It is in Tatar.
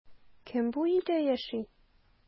Кем бу өйдә яши?